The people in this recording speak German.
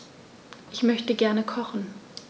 Ich möchte gerne kochen.